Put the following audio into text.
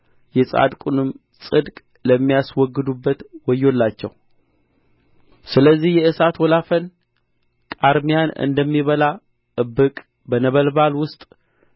የጻድቁንም ጽድቅ ለሚያስወግዱበት ወዮላቸው ስለዚህ የእሳት ወላፈን ቃርሚያን እንደሚበላ እብቅም በነበልባል ውስጥ